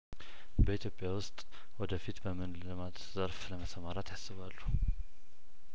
በኢትዮጵያ ውስጥ ወደፊት በምን የልማት ዘርፍ ለመሰማራት ያስባሉ